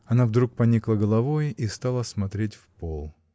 Она вдруг поникла головой и стала смотреть в пол.